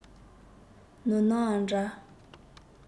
ནོར ནའང འདྲ